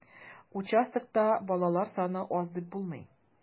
Участокта балалар саны аз дип булмый.